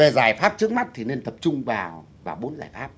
về giải pháp trước mắt thì nên tập trung vào cả bốn giải pháp